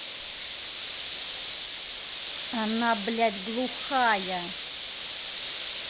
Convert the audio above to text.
она блядь глухая